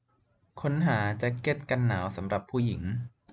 ค้นหาแจ๊กเก็ตกันหนาวสำหรับผู้หญิง